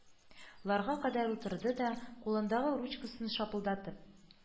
Ларга кадәр утырды да кулындагы ручкасын шапылдатып